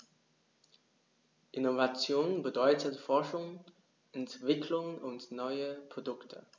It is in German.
Innovation bedeutet Forschung, Entwicklung und neue Produkte.